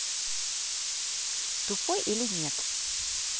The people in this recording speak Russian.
тупой или нет